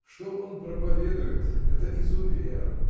Что он проповедует: это изувер!